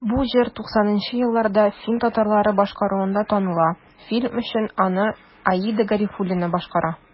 Бу җыр 90 нчы елларда фин татарлары башкаруында таныла, фильм өчен аны Аида Гарифуллина башкара.